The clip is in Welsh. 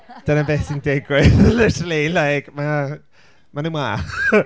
Dyna beth sy'n digwydd, literally, like. Ma' 'na, maen nhw 'ma.